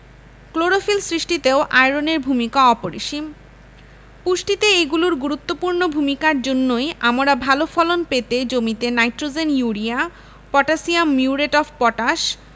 chlorophyll সৃষ্টিতেও আয়রনের ভূমিকা অপরিসীম পুষ্টিতে এগুলোর গুরুত্বপূর্ণ ভূমিকার জন্যই আমরা ভালো ফলন পেতে জমিতে nitrogen urea potassium muriate of potash